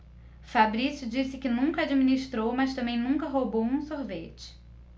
fabrício disse que nunca administrou mas também nunca roubou um sorvete